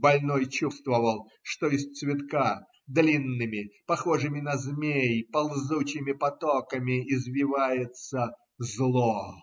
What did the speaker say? Больной чувствовал, что из цветка длинными, похожими на змей, ползучими потоками извивается зло